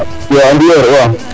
waw Aliou Ndiaye